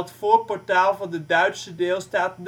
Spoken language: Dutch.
voorportaal van de Duitse deelstaat Noord-Rijnland-Westfalen